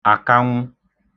àkanwụ